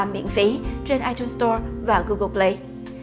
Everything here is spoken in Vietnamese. miễn phí trên ai tun sờ to và gu gồ bờ lây